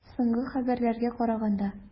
Соңгы хәбәрләргә караганда.